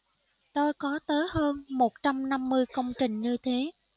tôi có tới hơn một trăm năm mươi công trình như thế